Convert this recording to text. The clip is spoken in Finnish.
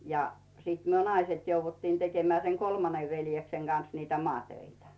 ja sitten me naiset jouduttiin tekemään sen kolmannen veljeksen kanssa niitä maatöitä